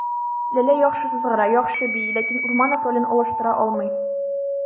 Ләлә яхшы сызгыра, яхшы бии, ләкин Урманов ролен алыштыра алмый.